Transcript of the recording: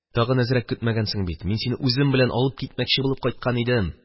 Тагын әзрәк көтмәгәнсең бит. Мин сине үзем белән алып китмәкче булып кайткан идем.